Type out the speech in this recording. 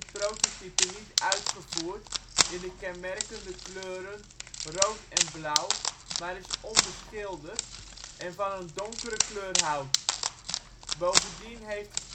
prototype niet uitgevoerd in de kenmerkende kleuren rood en blauw, maar is onbeschilderd en van een donkere kleur hout. Bovendien heeft